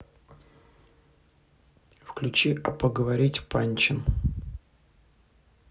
включи а поговорить панчин